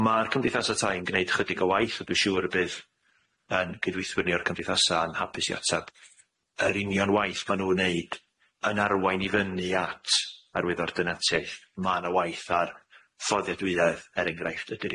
yym ma'r cymdeithasa tai yn gneud chydig o waith a dwi siŵr y bydd yym cydweithwyr ni o'r cymdeithasa yn hapus i ateb yr union waith ma' nw'n neud yn arwain i fyny at arwyddor dynatiaeth ma' na waith ar fforddiadwyedd er enghraifft ydi'r